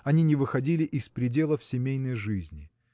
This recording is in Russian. они не выходили из пределов семейной жизни.